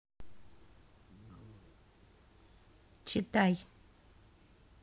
читай